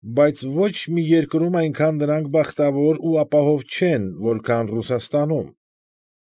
Բայց ոչ մի երկրում այնքան նրանք բախտավոր ա ապահով չեն, որքան Ռուսաստանում։